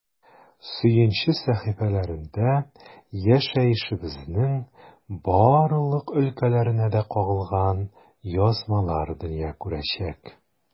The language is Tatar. “сөенче” сәхифәләрендә яшәешебезнең барлык өлкәләренә дә кагылган язмалар дөнья күрәчәк.